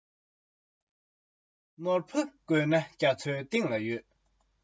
ཡོན ཏན ཅན ལ དོན གྱི རྡོ ཁ སྒྲིལ